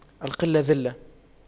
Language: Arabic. القلة ذلة